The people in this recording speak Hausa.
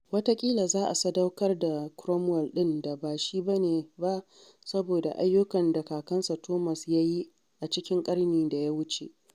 Wataƙila za a sadaukar da Cromwell ɗin da ba shi bane ba saboda ayyukan da kakansa Thomas ya yi a cikin ƙarni da ya wuce.